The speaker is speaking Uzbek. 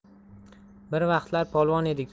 bir vaqtlar polvon edik uka